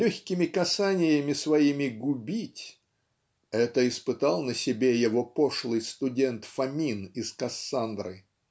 легкими касаниями своими губить (это испытал на себе его пошлый студент Фомин из "Кассандры")